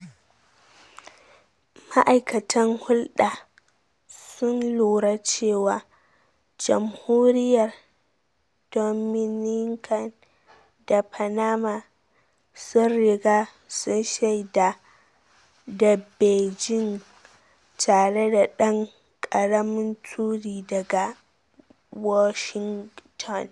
Ma’aikatan hulɗa sun lura cewa Jamhuriryar Dominican da Panama sun riga sun shaida da Beijing, tare da ɗan karamin turi daga Washington.